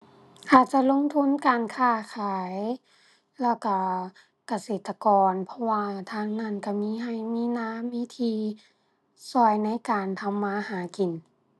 อาจจะลงทุนการค้าขายแล้วก็เกษตรกร เพราะว่าทางหั้นก็มีก็ มีนา มีที่ ก็ในการทำมาหากิน